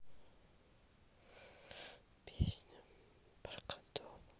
песня про котов